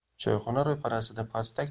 choyxona ro'parasida pastak